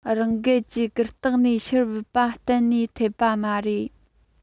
རང འགུལ ཀྱི གར སྟེགས ནས ཕྱིར བུད པ གཏན ནས འཐད པ མ རེད